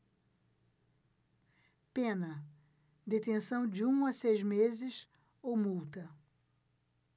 pena detenção de um a seis meses ou multa